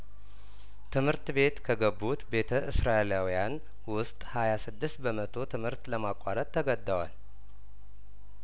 ትምህርት ቤት ከገቡት ቤተ እስራኤላዊያን ውስጥ ሀያስድስት በመቶ ትምህርት ለማቋረጥ ተገድ ደዋል